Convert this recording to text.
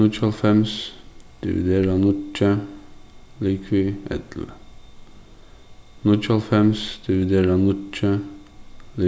níggjuoghálvfems dividerað níggju ligvið ellivu níggjuoghálvfems dividerað níggju